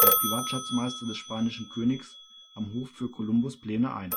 der Privatschatzmeister des spanischen Königs, am Hof für Kolumbus Pläne ein